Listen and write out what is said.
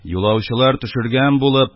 Юлаучылар төшергән булып,